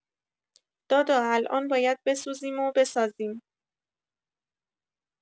دادا الان باید بسوزیم و بسازیم